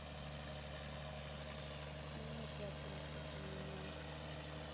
нет вопросов у меня